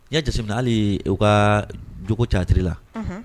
N y ya jate hali u kaogo catiriri la